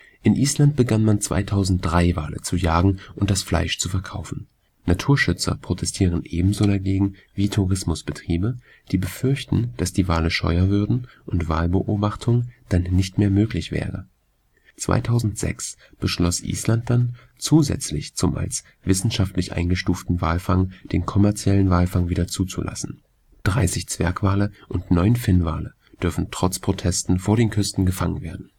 In Island begann man 2003, Wale zu jagen und das Fleisch zu verkaufen. Naturschützer protestieren ebenso dagegen wie Tourismusbetriebe, die befürchten, dass die Wale scheuer würden und Walbeobachtung dann nicht mehr möglich wäre. 2006 beschloss Island dann, zusätzlich zum als wissenschaftlich eingestuften Walfang den kommerziellen Walfang wieder zuzulassen. 30 Zwergwale und 9 Finnwale dürfen trotz Protesten vor den Küsten gefangen werden